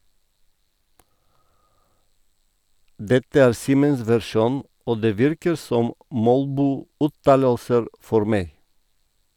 - Dette er Simens versjon og det virker som molbouttalelser for meg.